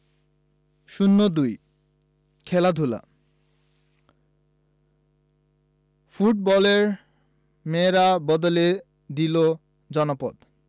০২ খেলাধুলা ফুটবলের মেয়েরা বদলে দিল জনপদ